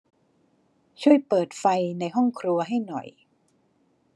ช่วยเปิดไฟในห้องครัวให้หน่อย